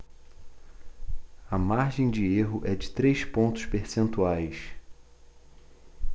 a margem de erro é de três pontos percentuais